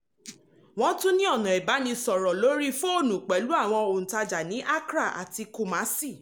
Wọ́n tún ní ọ̀nà ìbánisọ̀rọ̀ lórí fóònù pẹ̀lú àwọn òǹtajà ní Accra àti Kumasi.